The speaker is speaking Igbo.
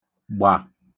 gbà